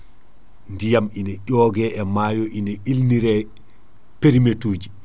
ndiyam ina ƴoogue e maayo ina ilnire périmètre uji